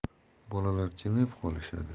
bolalar jimib qolishadi